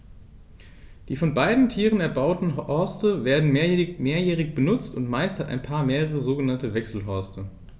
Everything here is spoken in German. Die von beiden Tieren erbauten Horste werden mehrjährig benutzt, und meist hat ein Paar mehrere sogenannte Wechselhorste.